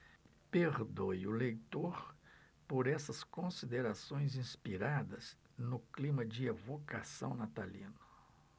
perdoe o leitor por essas considerações inspiradas no clima de evocação natalino